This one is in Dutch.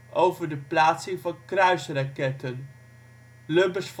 over de plaatsing van kruisraketten. Lubbers